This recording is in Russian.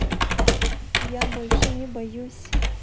я больше не боюсь